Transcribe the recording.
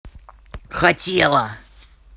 хотела